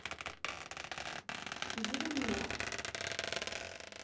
дерьмо